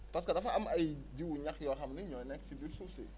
parce que dafa am ay jiwu ñax yoo xam ni ñooy nekk ci biir suuf si